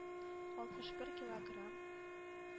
Атмыш бер киллограмм,